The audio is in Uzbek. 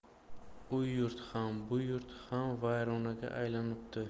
u yurt ham bu yurt ham vayronaga aylanibdi